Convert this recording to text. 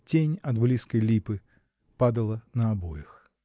Тень от близкой липы падала на обоих.